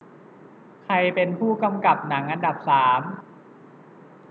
ใครเป็นผู้กำกับหนังอันดับสาม